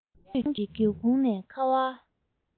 གསང སྤྱོད ཀྱི སྒེའུ ཁུང ནས ཁ བ